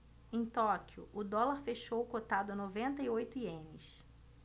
em tóquio o dólar fechou cotado a noventa e oito ienes